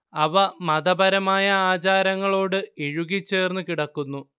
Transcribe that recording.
അവ മതപരമായ ആചാരങ്ങളോട് ഇഴുകിച്ചേർന്നു കിടക്കുന്നു